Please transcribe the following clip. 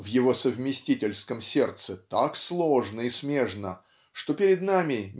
в его совместительском сердце так сложно и смежно что перед нами